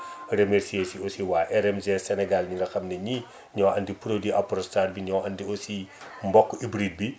remercié si aussi waa RMG Sénégal mi nga xam ne nii ñoo andi produit Apronstar bi ñoo andi aussi mboq hybrite bi